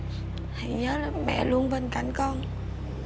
hãy nhớ mẹ luôn bên cạnh con